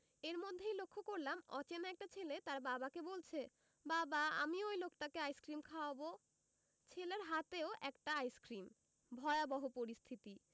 এর মধ্যেই লক্ষ্য করলাম অচেনা একটা ছেলে তার বাবাকে বলছে বাবা আমিও ঐ লোকটাকে আইসক্রিম খাওযাব ছেলের হাতও একটা আইসক্রিম ভয়াবহ পরিস্থিতি